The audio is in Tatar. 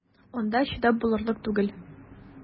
Анда чыдап булырлык түгел!